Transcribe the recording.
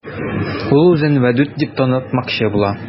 Ул үзен Вәдүт дип танытмакчы була.